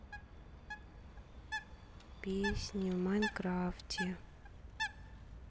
песни в майнкрафте